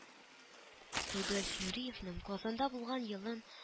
Рудольф Нуриевның Казанда булган елын